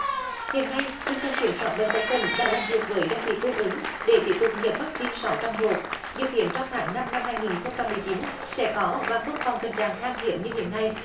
hiện nay trung tâm kiểm soát bệnh tật tỉnh đã làm việc với đơn vị cung ứng để tiếp tục nhập vắc xin sáu trong một dự kiến trong tháng năm năm hai nghìn không trăm mười chín sẽ có và không còn tình trạng khan hiếm như hiện nay